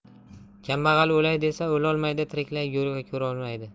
kambag'al o'lay desa o'lolmaydi tiriklay go'rga kirolmaydi